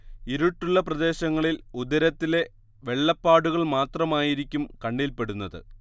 ഇരുട്ടുള്ള പ്രദേശങ്ങളിൽ ഉദരത്തിലെ വെള്ളപ്പാടുകൾ മാത്രമായിരിക്കും കണ്ണിൽപ്പെടുന്നത്